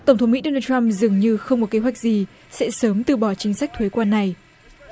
tổng thống mỹ đô nan trăm dường như không có kế hoạch gì sẽ sớm từ bỏ chính sách thuế quan này